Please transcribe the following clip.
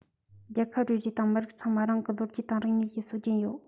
རྒྱལ ཁབ རེ རེ དང མི རིགས ཚང མར རང གི ལོ རྒྱུས དང རིག གནས ཀྱི སྲོལ རྒྱུན ཡོད